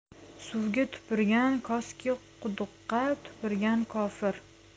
suvga tupurgan koski quduqqa tupurgan kofir